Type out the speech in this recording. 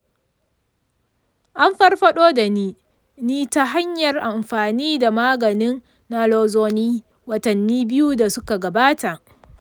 an farfaɗo da ni ta hanyar amfani da maganin naloxone watanni biyu da suka gabata.